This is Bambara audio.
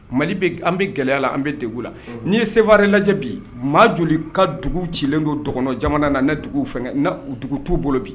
Mali an bɛ gɛlɛya an bɛ dugu la n'i ye sebaa lajɛ bi maa joli ka dugu cilen don dɔgɔn jamana na ne dugu fɛ dugu t'u bolo bi